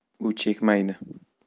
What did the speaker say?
u chekmaydi